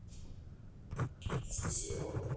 русский сериал